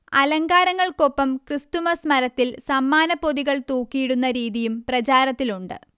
അലങ്കാരങ്ങൾക്കൊപ്പം Christmas മരത്തിൽ സമ്മാനപ്പൊതികൾ തൂക്കിയിടുന്ന രീതിയും പ്രചാരത്തിലുണ്ട്